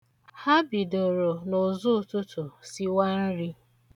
Ha bidoro n'ụzọụtụtụ siwa nri.